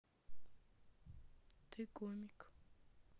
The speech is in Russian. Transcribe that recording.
ты гомик